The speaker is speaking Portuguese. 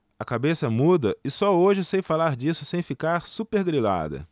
a cabeça muda e só hoje sei falar disso sem ficar supergrilada